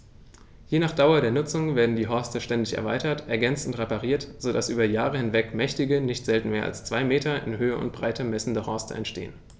Je nach Dauer der Nutzung werden die Horste ständig erweitert, ergänzt und repariert, so dass über Jahre hinweg mächtige, nicht selten mehr als zwei Meter in Höhe und Breite messende Horste entstehen.